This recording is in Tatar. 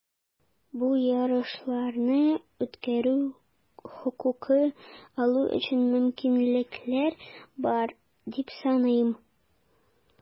Бу ярышларны үткәрү хокукы алу өчен мөмкинлекләр бар, дип саныйм.